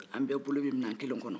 an bɛɛ bolo bɛ minan kelen kɔnɔ